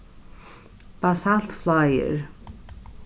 basaltfláir